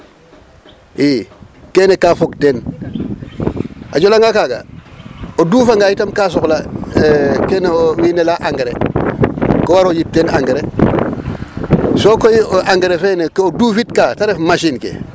I keene ka fog teen, a jelanga kaaga o duufanga itam kaa soxla e%kene wiin we laya engrais ko war o yip teen engrais sokoy engrais fene ke o duufitka ta ref machine